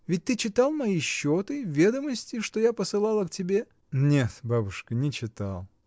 Ведь ты читал мои счеты, ведомости, что я посылала к тебе? — Нет, бабушка, не читал.